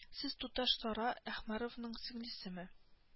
Сез туташ сара әхмәровның сеңлесеме